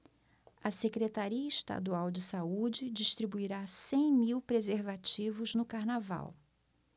a secretaria estadual de saúde distribuirá cem mil preservativos no carnaval